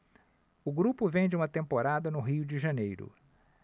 o grupo vem de uma temporada no rio de janeiro